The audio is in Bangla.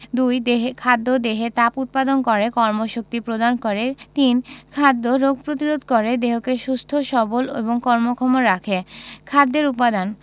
২. খাদ্য দেহে তাপ উৎপাদন করে কর্মশক্তি প্রদান করে ৩. খাদ্য রোগ প্রতিরোধ করে দেহকে সুস্থ সবল এবং কর্মক্ষম রাখে খাদ্যের উপাদান